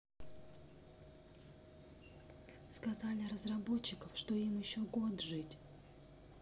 сказали разработчиков что им еще год жить